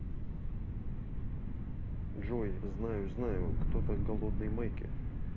джой знаю знаю кто то голодный майки